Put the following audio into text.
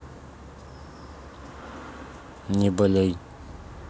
не болей